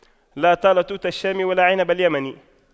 لا طال توت الشام ولا عنب اليمن